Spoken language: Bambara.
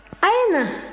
a' ye na